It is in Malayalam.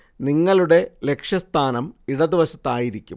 നിങ്ങളുടെ ലക്ഷ്യസ്ഥാനം ഇടതുവശത്തായിരിക്കും